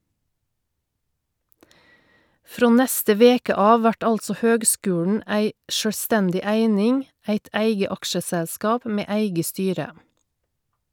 Frå neste veke av vert altså høgskulen ei sjølvstendig eining , eit eige aksjeselskap med eige styre.